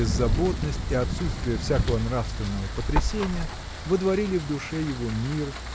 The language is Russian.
беззаботность и отсутствие всякого нравственного потрясения водворили в душе его мир